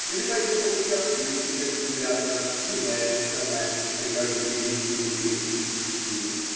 Или пойдем по пути австрийских ассимиляторов, меняя национальность при каждом перемещении политических сил?